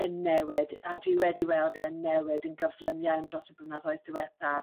yn newid a dwi wedi weld e'n newid yn gyflym iawn dros y blynyddoedd diwethaf